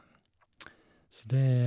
Så det...